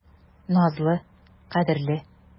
Назлы, кадерле.